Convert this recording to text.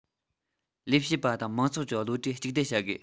ལས བྱེད པ དང མང ཚོགས ཀྱི བློ གྲོས གཅིག སྡུད བྱ དགོས